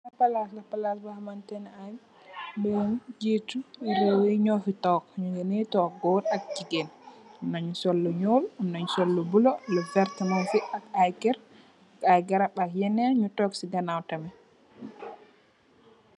Palaas la, palaas boo xamante ay ñetti rew yi toog, ñu ngi ñii toog, góor ak jigéen. Am na ñu sol lu ñuul, am na sol lu bulo, lu werta ak ay kër, ay garab ak yenen ñu toog si toog si ganaaw tamit.